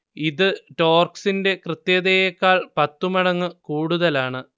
ഇത് ടോർക്സിന്റെ കൃത്യതയേക്കാൾ പത്തു മടങ്ങ് കൂടുതലാണ്